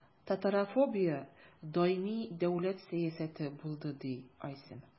Татарофобия даими дәүләт сәясәте булды, – ди Айсин.